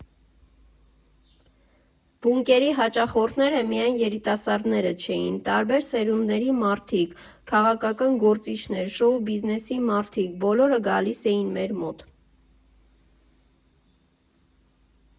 «Բունկերի» հաճախորդները միայն երիտասարդները չէին, տարբեր սերունդների մարդիկ, քաղաքական գործիչներ, շոու֊բիզնեսի մարդիկ՝ բոլորը գալիս էին մեր մոտ։